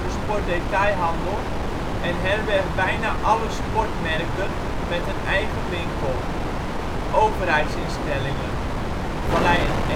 sportdetailhandel en herbergt bijna alle sportmerken met een eigen winkel. Overheidsinstellingen: Vallei en